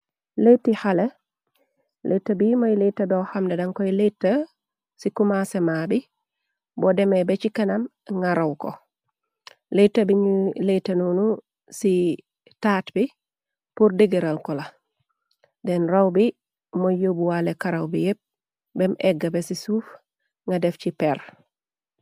Leyti xale, leyta bi moy leyta bor xamne dan koy leyta ci comasseh ma bi, bor demeh beh chi kanam nga raw kor, leyta bi ñuy leyta nonu ci taat bi pur dehgeral kor la, denn raw bi moiy yobbuwale karaw bi yehpp bem ehggue beh cii suuf, nga def chi pehrre.